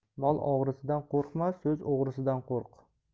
mol o'g'risidan qo'rqma so'z o'g'risidan qo'rq